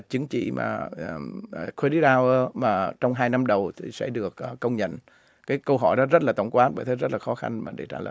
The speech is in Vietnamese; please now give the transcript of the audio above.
chứng chỉ mà ờ cư lít lao ơ mà trong hai năm đầu sẽ được công nhận cái câu hỏi đó rất là tổng quán bởi thế rất khó khăn mà để trả lời